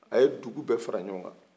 a ye dug bɛɛ fara ɲɔgɔn kan